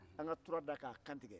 an ka tura da a kan tigɛ